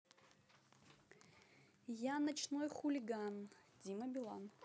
я ночной хулиган дима билан